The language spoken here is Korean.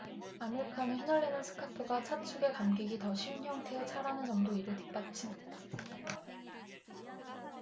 아밀카는 휘날리는 스카프가 차축에 감기기 더 쉬운 형태의 차라는 점도 이를 뒷받침한다